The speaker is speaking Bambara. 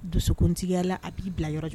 Donsokuntigiyara la a b'i bila yɔrɔ